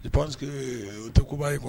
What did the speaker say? Je pense que o tɛ koba ye quoi